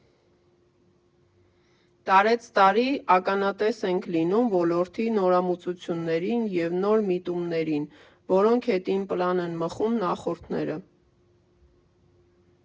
Տարեցտարի ականատես ենք լինում ոլորտի նորամուծություններին և նոր միտումներին, որոնք հետին պլան են մղում նախորդները։